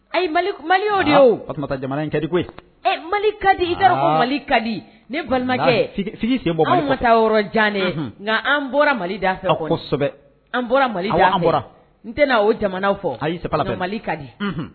Ayi mali koyi ɛ mali kadi mali kadi balimakɛ bɔ jannen nka an bɔra mali an bɔra mali bɔra n tɛna o jamana fɔ ayi mali kadi